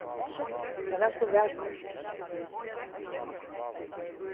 tað var so vakurt